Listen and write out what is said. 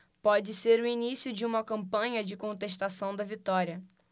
pode ser o início de uma campanha de contestação da vitória